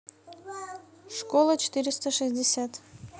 школа четыреста шестьдесят